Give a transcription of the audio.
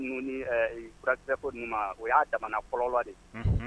Ko nin ma o y'a jamana fɔlɔlɔnwa de